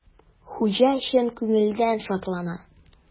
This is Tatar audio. Хуҗа чын күңелдән шатлана.